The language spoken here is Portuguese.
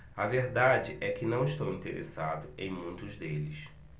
a verdade é que não estou interessado em muitos deles